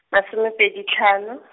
masome pedi hlano.